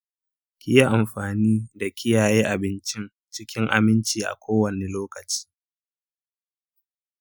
kiyi amfani da kiyaye abincin cikin aminci a kowani lokaci.